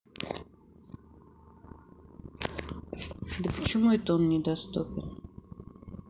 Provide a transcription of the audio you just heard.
да почему это он недоступен